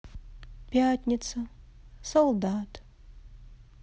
пятница солдат